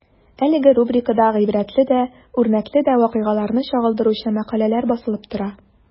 Әлеге рубрикада гыйбрәтле дә, үрнәкле дә вакыйгаларны чагылдыручы мәкаләләр басылып тора.